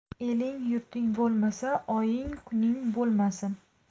eling yurting bo'lmasa oying kuning bo'lmasin